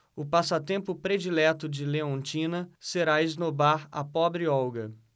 o passatempo predileto de leontina será esnobar a pobre olga